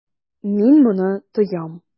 Мин моны тоям.